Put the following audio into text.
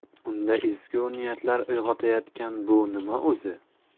unda ezgu niyatlar uyg'otayotgan bu nima o'zi